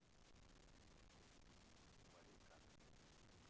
вали канги